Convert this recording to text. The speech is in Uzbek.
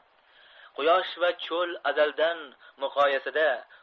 quyosh va cho'l azaldan muqoyasada